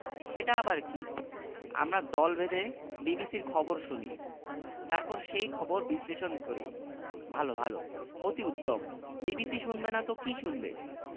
সিদ্দিককে vote দেবেন না এতদূর এসে পিছিয়ে পড়াটা ঠিক হবে কি না তাও বুঝতে পারছেন না টাকা খরচ হচ্ছে জলের মত সব সংগঠনকে টাকা দিতে হচ্ছে